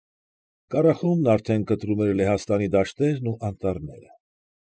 Կառախումբն արդեն կտրում էր Լեհաստանի դաշտերն ու անտառները։